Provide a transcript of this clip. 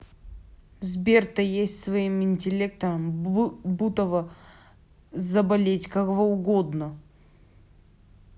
сбер то есть своим интеллектом бутово заболеть кого угодно